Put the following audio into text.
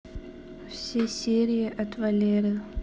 все серии от валеры